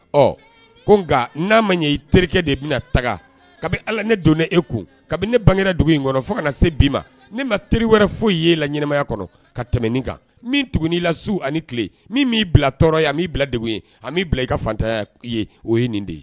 Ɔ ko nka n'a ma ɲɛ i teri terikɛ de bɛna taga kabini ala ne don ne e kun kabini ne bangekɛ dugu in kɔnɔ fo kana na se bi ma ne ma teri wɛrɛ foyi i ye la ɲɛnamaya kɔnɔ ka tɛmɛni kan min tugu' i lasiw ani tile min b'i bila tɔɔrɔ ye yan a b'i bila dugu ye a b bila i ka fatanya ye o ye nin de ye